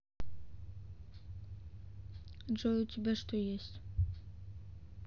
джой у тебя что есть